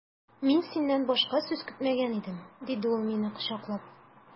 Мин синнән башка сүз көтмәгән идем, диде ул мине кочаклап.